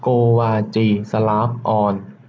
โกวาจีสลาฟออน